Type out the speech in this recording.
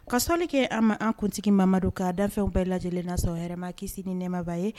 Ka sli kɛ an ma an kuntigi mamadu don ka danfɛnw bɛɛ lajɛ lajɛlen na sa yɛrɛma kisi ni nɛmaba ye